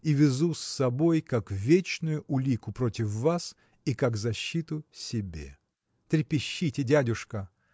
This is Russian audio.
и везу с собой как вечную улику против вас и как защиту себе. Трепещите, дядюшка!